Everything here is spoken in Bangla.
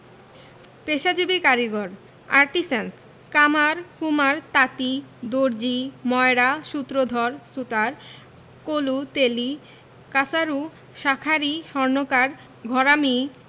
পেশাজীবী কারিগরঃ আর্টিসেন্স কামার কুমার তাঁতি দর্জি ময়রা সূত্রধর সুতার কলু তেলী কাঁসারু শাঁখারি স্বর্ণকার ঘরামি